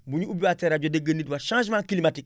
bu ñu ubbiwaatee rajo dégg nit wax changement climatique